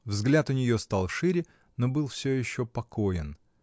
Взгляд у ней стал шире, но был всё еще покоен.